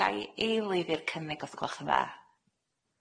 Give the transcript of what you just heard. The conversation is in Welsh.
Gai eilidd i'r cynnig os gwelwch yn dda?